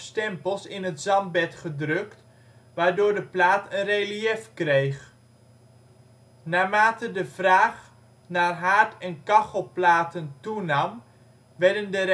stempels in het zandbed gedrukt waardoor de plaat een reliëf kreeg. Naarmate de vraag naar haard - en kachelplaten toenam werden de